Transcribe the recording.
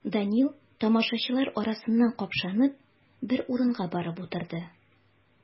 Данил, тамашачылар арасыннан капшанып, бер урынга барып утырды.